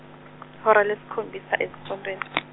ihora lesikhombisa ezimpondweni.